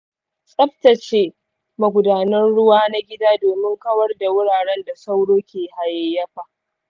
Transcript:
tsaftace magudanun ruwa na gida domin kawar da wuraren da sauro ke hayayyafa.